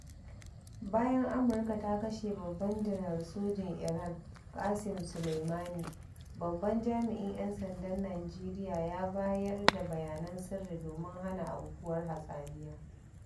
Bayan Amurka ta kashe babban Janar Sojin Iran ƙasem Soleimani, babban jami'in 'yan sandan Nijeriya ya bayar da bayanan sirri domin hana aukuwar hatsaniya.